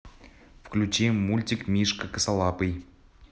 включи мультик мишка косолапый